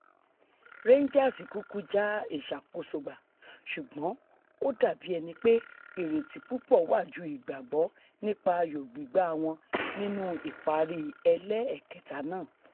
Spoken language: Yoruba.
Rangers kúkú já ìṣàkóso gbà ṣùgbọ́n ó dàbí ẹnipé ìrètí púpọ̀ wà ju ìgbàgbọ́ nípa ayò gbígbá wọn nínú ìparí ẹlẹ́ẹ̀kẹta náà.